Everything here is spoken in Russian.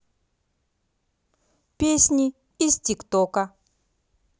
песни из тик тока